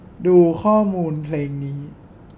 ดูข้อมูลเพลงนี้